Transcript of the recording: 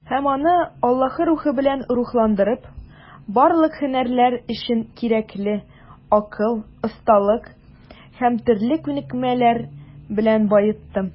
Һәм аны, Аллаһы Рухы белән рухландырып, барлык һөнәрләр өчен кирәкле акыл, осталык һәм төрле күнекмәләр белән баеттым.